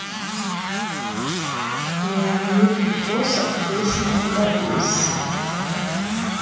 леонид утесов песня об одессе